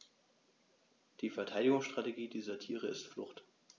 Die Verteidigungsstrategie dieser Tiere ist Flucht.